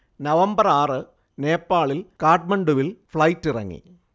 November ആറ് നേപ്പാളിൽ കാഠ്മണ്ഡുവിൽ ഫ്ളൈറ്റ് ഇറങ്ങി